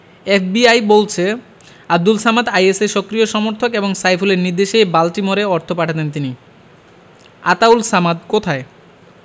FBI বলছে আবদুল সামাদ আইএসের সক্রিয় সমর্থক এবং সাইফুলের নির্দেশেই বাল্টিমোরে অর্থ পাঠাতেন তিনি আতাউল সামাদ কোথায়